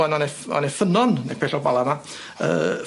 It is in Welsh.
A no' 'ne o' 'ne ffynnon nepell o Bala 'ma yy